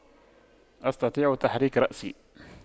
أستطيع تحريك رأسي